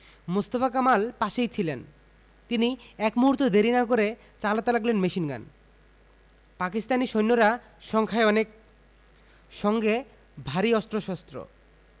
মোস্তফা কামাল পাশেই ছিলেন তিনি এক মুহূর্তও দেরি না করে চালাতে লাগলেন মেশিনগান পাকিস্তানি সৈন্যরা সংখ্যায় অনেক সঙ্গে ভারী অস্ত্রশস্ত্র